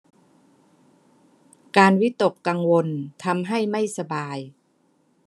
การวิตกกังวลการวิตกกังวลทำให้ไม่สบาย